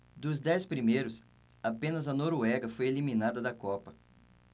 dos dez primeiros apenas a noruega foi eliminada da copa